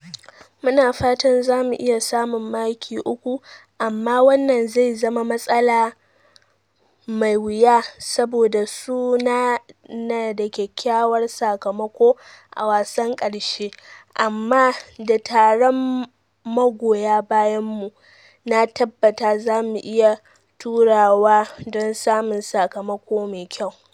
Mu na fatan, za mu iya samun maki uku amma wannan zai zama matsala mai wuya saboda su na da kyakkyawar sakamako a wasan karshe amma, da taron magoya bayan mu, na tabbata za mu iya turawa don samun sakamako mai kyau.